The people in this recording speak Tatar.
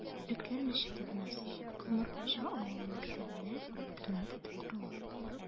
Төрекләр мәчете бинасы Комыргуҗа авылы мәктәбенә интернат итеп корыла...